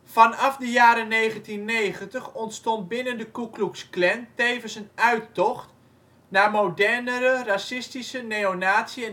Vanaf de jaren 1990 ontstond binnen de Ku Klux Klan tevens een uittocht naar modernere racistische, neonazi